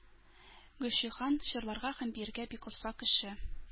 Гөлҗиһан җырларга һәм биергә бик оста кеше.